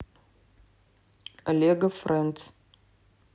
лего френдс